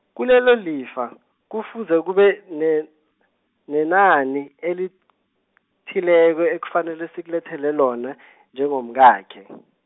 kilelo lifa, kufuze kube ne- nenani, elithileko, ekufanele sikulethele lona, njengomkakhe .